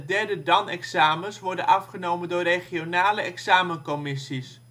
1e t/m 3e dan-examens worden afgenomen door regionale examencommissies. Alleen